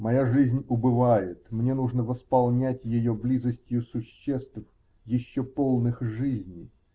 Моя жизнь убывает, мне нужно восполнять ее близостью существ, еще полных жизни.